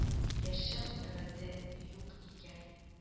Яшәү өмете юк икән